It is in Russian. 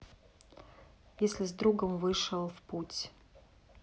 если с другом вышел в путь